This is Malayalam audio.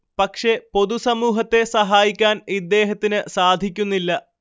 പക്ഷേ പൊതു സമൂഹത്തെ സഹായിക്കാൻ ഇദ്ദേഹത്തിന് സാധിക്കുന്നില്ല